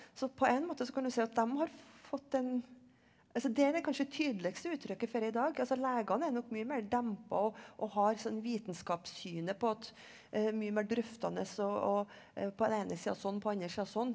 så på en måte så kan du si at dem har fått en altså det er det kanskje tydeligste uttrykket for i dag altså legene er nok mye mer dempa og og har sånn vitenskapssynet på at mye mer drøftende å å på den ene sida sånn på den andre sida sånn.